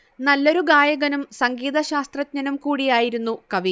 നല്ലൊരു ഗായകനും സംഗീതശാസ്ത്രജ്ഞനും കൂടിയായിരുന്നു കവി